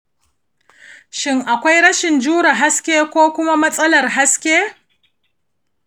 shin akwai rashin jure haske ko kuma matsalar haske?